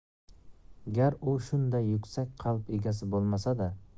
gar u shunday yuksak qalb egasi bo'lmasada